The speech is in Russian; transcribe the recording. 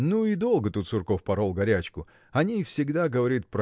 Ну, и долго тут Сурков порол горячку. Они всегда говорит